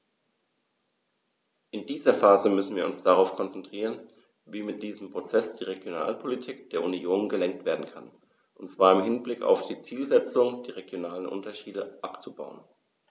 In dieser Phase müssen wir uns darauf konzentrieren, wie mit diesem Prozess die Regionalpolitik der Union gelenkt werden kann, und zwar im Hinblick auf die Zielsetzung, die regionalen Unterschiede abzubauen.